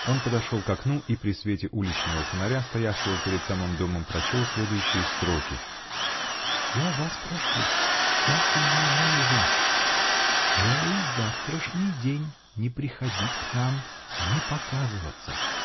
Он подошел к окну -- и при свете уличного фонаря, стоявшего перед самым домом, прочел следующие строки: "Я вас прошу, я умоляю вас -- целый завтрашний день не приходить к нам, не показываться.